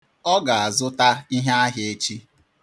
Ọ ga-azụta iheahịa echi.